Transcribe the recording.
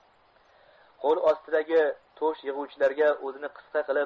qo'l ostidagi to'sh yig'uvchilarga o'zini qisqa qilib